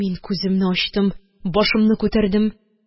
Мин күземне ачтым, башымны күтәрдем